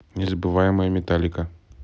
незабываемая металлика